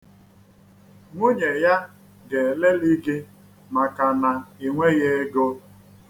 Nwunye ya ga-elili gị maka na i nweghị ego.